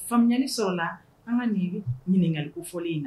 Faamuyali sɔrɔla la an ka nin ɲininkagali fɔlɔlen in na